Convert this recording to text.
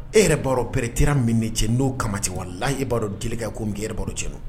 E yɛrɛ b'a pɛretera minɛ cɛ n'o kamati wala la e b'a dɔn deli ko e yɛrɛ b' cɛnin